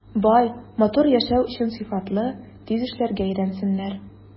Бай, матур яшәү өчен сыйфатлы, тиз эшләргә өйрәнсеннәр.